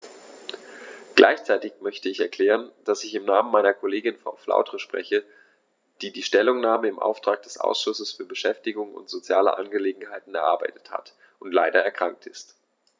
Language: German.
Gleichzeitig möchte ich erklären, dass ich im Namen meiner Kollegin Frau Flautre spreche, die die Stellungnahme im Auftrag des Ausschusses für Beschäftigung und soziale Angelegenheiten erarbeitet hat und leider erkrankt ist.